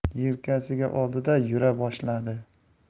yelkasiga oldida yura boshladi